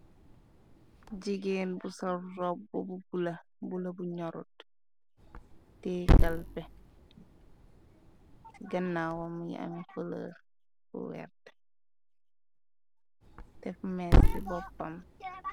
Jigeen bu sar robbu bu bula bu la bu ñorut. Tee kalbe ci gannawam yi ami fëlër bu wert. Def mees ci boppam.